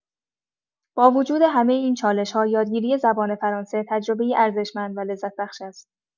با وجود همه این چالش‌ها، یادگیری زبان فرانسه تجربه‌ای ارزشمند و لذت‌بخش است.